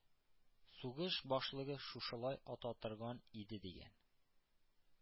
«сугыш башлыгы шушылай ата торган иде»,— дигән.